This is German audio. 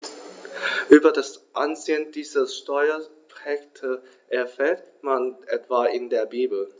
Über das Ansehen dieser Steuerpächter erfährt man etwa in der Bibel.